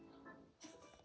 джой мне тоже тебе не хватает